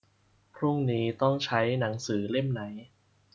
พรุ่งนี้ต้องใช้หนังสือเล่มไหน